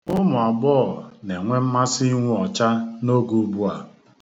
Ụmụ agbọghọ na-enwe mmasị inwu ọcha ugbua.